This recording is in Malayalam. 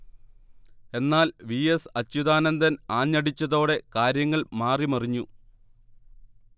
എന്നാൽ വി. എസ്. അച്യൂതാനന്ദൻ ആഞ്ഞടിച്ചതോടെ കാര്യങ്ങൾ മാറി മറിഞ്ഞു